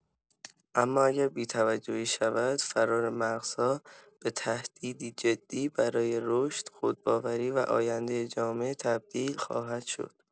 اما اگر بی‌توجهی شود، فرار مغزها به تهدیدی جدی برای رشد، خودباوری و آینده جامعه تبدیل خواهد شد.